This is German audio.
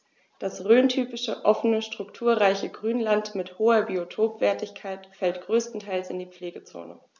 Das rhöntypische offene, strukturreiche Grünland mit hoher Biotopwertigkeit fällt größtenteils in die Pflegezone.